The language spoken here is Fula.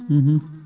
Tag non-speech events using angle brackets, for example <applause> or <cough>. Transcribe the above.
<hesitation> <hesitation>